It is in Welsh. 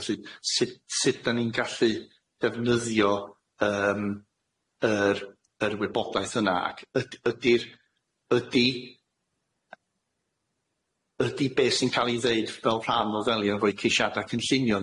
felly sud sud dan ni'n gallu defnyddio yym yr yr wybodaeth yna ac yd- ydi'r ydi ydi beth sy'n ca'l i ddeud fel rhan o ddelio efo'u ceisiada cynllunio